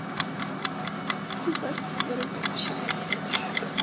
двадцать первая часть